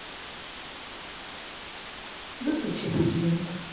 выключи будильник